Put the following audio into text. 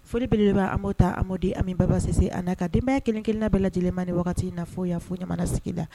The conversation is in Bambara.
Folibele b' an'o ta amaduden amimi bababase a'a ka denbaya kelenkelen bɛɛ lajɛlen man ni in naa fɔ yan fo jamana sigi la